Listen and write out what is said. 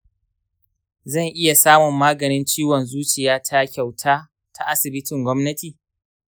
zan iya samun maganin ciwon zuciyata kyauta ta asibitin gwamnati?